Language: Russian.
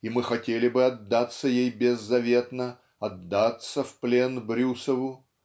и мы хотели бы отдаться ей беззаветно отдаться в плен Брюсову